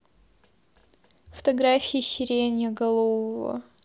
фотографии сиреноголового